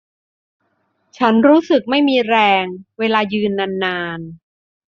ฉันรู้สึกไม่มีแรงเวลายืนนานนาน